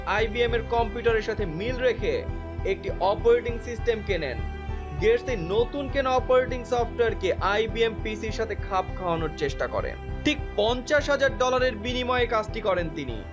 আইবিএম-এর কম্পিউটারের সাথে মিল রেখে একটি অপারেটিং সিস্টেম কিনেন গেটস এই নতুন কেনা অপারেটিং সফটওয়্যার কে আইবিএম পিসির সাথে খাপ খাওয়ানোর চেষ্টা করেন ঠিক ৫০ হাজার ডলারের বিনিময় কাজটি করেন তিনি